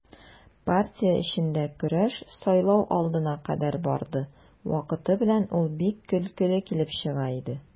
Партия эчендә көрәш сайлау алдына кадәр барды, вакыты белән ул бик көлкеле килеп чыга иде.